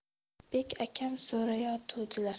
bek akam so'rayatuvdilar